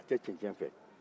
a tɛ cɛncɛn fɛ